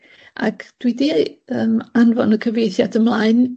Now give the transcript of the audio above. ag dwi 'di ei- yym anfon y cyfieithiad ymlaen...